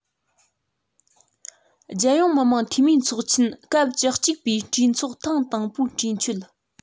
རྒྱལ ཡོངས མི དམངས འཐུས མིའི ཚོགས ཆེན སྐབས བཅུ གཅིག པའི གྲོས ཚོགས ཐེངས དང པོའི གྲོས ཆོད